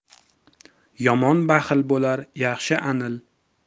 yomon baxil bo'lar yaxshi anil